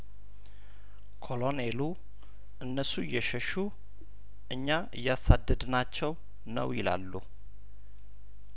ኮሎኔሉ እነሱ እየሸሹ እኛ እያሳደድ ናቸው ነው ይላሉ